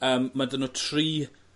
Yym ma' 'dy n'w tri